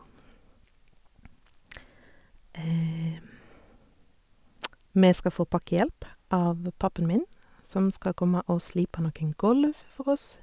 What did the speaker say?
Vi skal få pakkehjelp av pappaen min, som skal komme og slipe noen gulv for oss.